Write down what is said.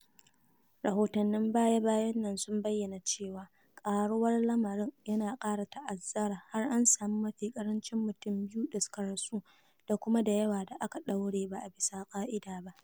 Rahotannin baya-bayan nan sun bayyana cewa "ƙaruwar lamarin" yana ƙara ta'azzara, har an sami mafi ƙarancin mutum biyu da suka rasu da kuma da yawa da aka ɗaure ba a bisa ƙa'ida ba.